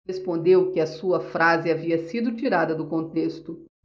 respondeu que a sua frase havia sido tirada do contexto